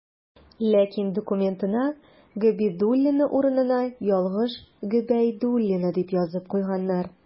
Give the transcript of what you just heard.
Ләкин документына «Габидуллина» урынына ялгыш «Гобәйдуллина» дип язып куйганнар.